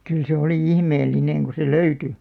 kyllä se oli ihmeellinen kun se löytyi